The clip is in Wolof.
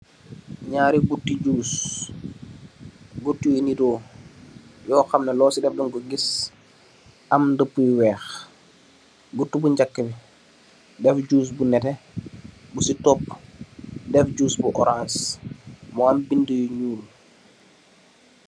Ñaari gutti juice , gutti yu nido yo xam neh loci def dan ko gis am ndapu yu wèèx. Gutti bu njak bi def juice bu netteh, bu ci topuh def juice bu orans mu am bindi yu ñuul.